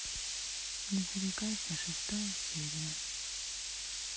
не зарекайся шестая серия